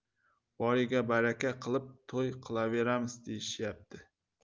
boriga baraka qilib to'y qilaveramiz deyishyapti